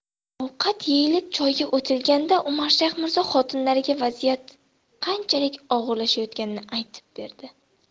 ovqat yeyilib choyga o'tilganda umarshayx mirzo xotinlariga vaziyat qanchalik og'irlashayotganini aytib berdi